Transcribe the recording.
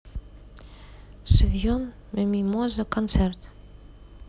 sevinch muminova концерт